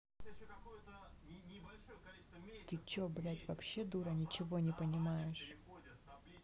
ты че блядь вообще дура ничего не понимаешь